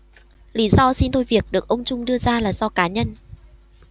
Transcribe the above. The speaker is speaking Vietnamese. lý do xin thôi việc được ông trung đưa ra là do cá nhân